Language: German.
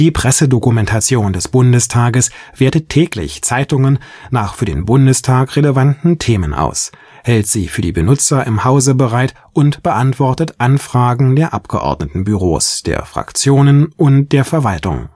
Pressedokumentation des Bundestages wertet täglich Zeitungen nach für den Bundestag relevanten Themen aus, hält sie für die Benutzung im Hause bereit und beantwortet Anfragen der Abgeordnetenbüros, der Fraktionen und der Verwaltung